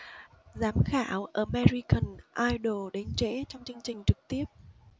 giám khảo american idol đến trễ trong chương trình trực tiếp